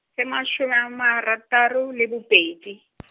tse masome a marataro le bobedi.